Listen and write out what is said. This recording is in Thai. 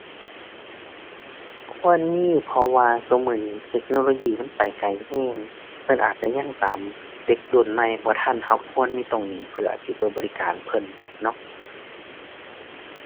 ควรมีเพราะว่าซุมื้อนี้เทคโนโลยีมันไปไกลแรง เพิ่นอาจจะยังตามเด็กรุ่นใหม่บ่ทัน แรงควรมีตรงนี้เพื่อสิไปบริการเพิ่นเนาะ